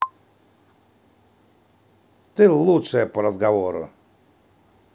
ты лучшая по разговору